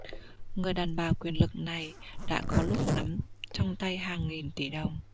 người đàn bà quyền lực này đã có lúc nắm trong tay hàng nghìn tỉ đồng